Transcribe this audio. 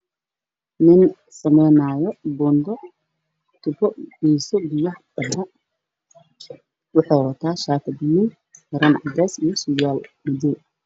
Waa niman samaysan wada